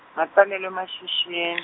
ngatalelwa eMashishini.